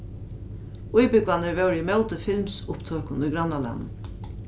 íbúgvarnir vóru ímóti filmsupptøkum í grannalagnum